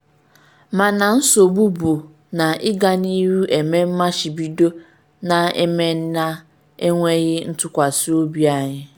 Mana nsogbu bụ na ịganihu eme machibido na-emina enweghị ntụkwasị obi anyị.”